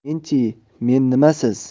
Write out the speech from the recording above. men chi men nima siz